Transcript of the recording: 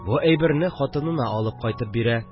Бу әйберне хатынына алып кайтып бирә